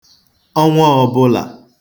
ọnwa ọbụlà